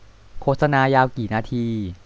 โฆษณายาวกี่นาที